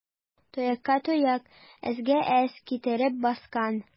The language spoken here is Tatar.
Тоякка тояк, эзгә эз китереп баскан.